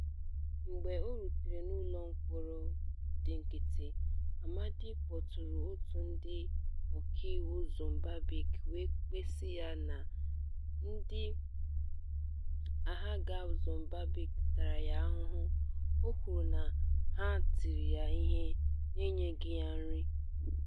Mgbe ọ rutere n'ụlọ mkpọrọ ndị nkịtị, Amade kpọtụụrụ Òtù Ndị Ọkaiwu Mozambique wee kpesa na ndịagha Mozambique tara ya ahụhụ, o kwuru na ha tiri ya ihe na enyeghị ya nri.